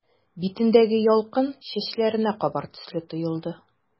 Битендәге ялкын чәчләренә кабар төсле тоелды.